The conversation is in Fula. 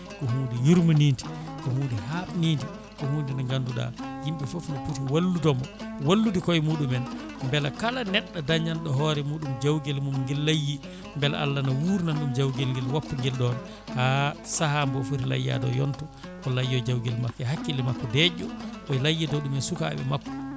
ko hunde yurminide ko hunde habnide ko hunde nde ganduɗa yim foof ne pooti walludemo wallude kooye muɗumen beela kala neɗɗo dañanɗo hoore muɗum jawguel mum guel layyi beela Allah ne wurnana ɗum jawguel makko guel ɗon ha saaha bo footi layyade o yonta o layyo jawguel makko e hakkille makko deƴƴo o layyido ɗum e sukaɓe makko